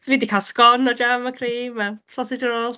So fi 'di cael sgon a jam a cream a, sausage roll!